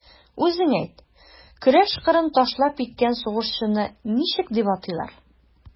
Үзең әйт, көрәш кырын ташлап киткән сугышчыны ничек дип атыйлар?